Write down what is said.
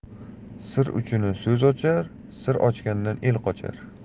sir uchini so'z ochar sir ochgandan el qochar